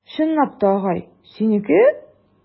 Чынлап та, агай, синеке?